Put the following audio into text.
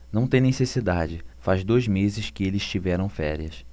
não tem necessidade faz dois meses que eles tiveram férias